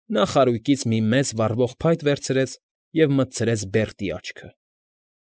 Նա խարույկից մի մեծ վառվող փայտ վերցրեց և մտցրեց Բերտի աչքը։